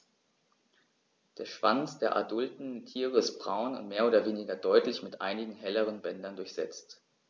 Der Schwanz der adulten Tiere ist braun und mehr oder weniger deutlich mit einigen helleren Bändern durchsetzt.